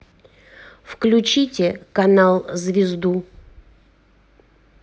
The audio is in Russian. включите канал звезду